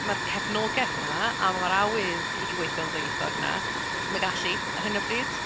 Ma'r cefnogaeth 'na, a mae'r awydd i weithio'n ddwyieithog 'na . Ddim y gallu ar hyn o bryd.